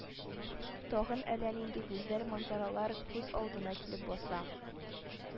Тагын әллә нинди гүзәл манзаралар күз алдына килеп баса